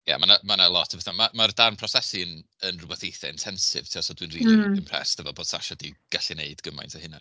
ia ma' 'na lot o bethau. Ma' ma'r darn prosesu yn yn rywbeth eitha intensive tiod so dwi'n rili impressed efo bod Sasha 'di gallu wneud gymaint o hynna.